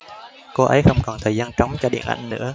cô ấy không còn thời gian trống cho điện ảnh nữa